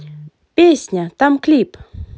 песня там клип